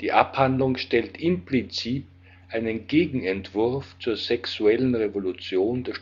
Die Abhandlung stellt implizit einen Gegenentwurf zur Sexuellen Revolution der